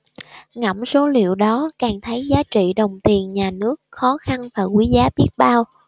ngẫm số liệu đó càng thấy giá trị đồng tiền nhà nước khó khăn và quý giá biết bao